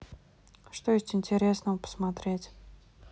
что есть интересного посмотреть